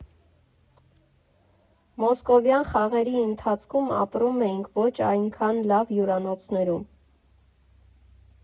«Մոսկովյան խաղերի ընթացքում ապրում էինք ոչ այնքան լավ հյուրանոցներում։